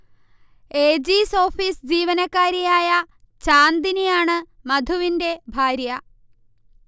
AG's office ജീവനക്കാരിയായ ചാന്ദ്നിയാണ് മധുവിന്റെ ഭാര്യ